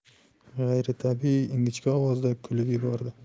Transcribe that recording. g'ayritabiiy ingichka ovozda kulib yubordi